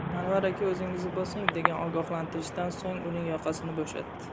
anvar aka o'zingizni bosing degan ogohlantirishdan so'ng uning yoqasini bo'shatdi